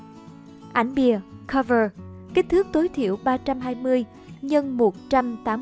ảnh bìa kích thước tối thiểu x pixcel